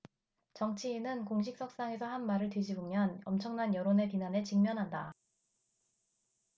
정치인은 공식 석상에서 한 말을 뒤집으면 엄청난 여론의 비난에 직면한다